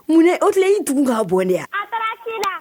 Munna o tɔra e y'i tugu ka'a bon, a taara ci la.